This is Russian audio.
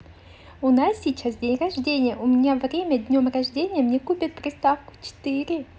у нас сейчас день рождения у меня время днем рождения мне купят приставку четыре